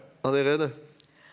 Anne Irene.